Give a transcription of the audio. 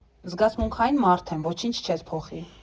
Զգացմունքային մարդ եմ, ոչինչ չես փոխի։